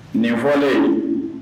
Nin fɔlen